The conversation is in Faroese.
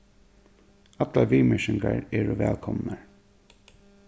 allar viðmerkingar eru vælkomnar